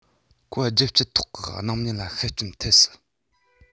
ཁོ རྒྱལ སྤྱིའི ཐོག གི སྣང བརྙན ལ ཤུགས རྐྱེན ཐེབས སྲིད